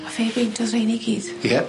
A fe beintodd rhein i gyd? Ie.